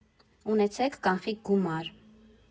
Ունեցեք կանխիկ գումար։